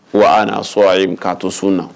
Wa na so a ye ka to sun na